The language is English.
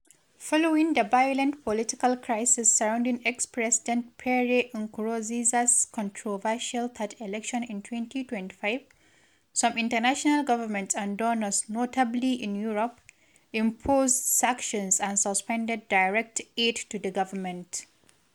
Following the violent political crisis surrounding ex-President Pierre Nkurunziza’s controversial third election in 2015, some international governments and donors, notably in Europe, imposed sanctions and suspended direct aid to the government.